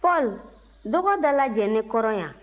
paul dɔgɔ dalajɛ ne kɔrɔ yan